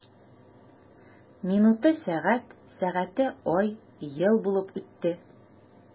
Минуты— сәгать, сәгате— ай, ел булып үтте.